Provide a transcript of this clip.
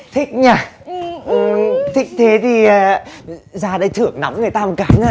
thích nhờ thích thế thì ra đây thưởng nóng người ta một cái nào